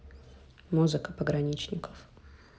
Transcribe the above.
музыка пограничников